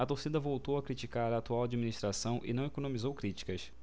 a torcida voltou a criticar a atual administração e não economizou críticas